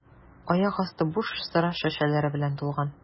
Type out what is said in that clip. Аяк асты буш сыра шешәләре белән тулган.